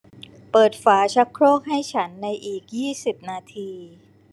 เปิดฝาชักโครกให้ฉันในอีกยี่สิบนาที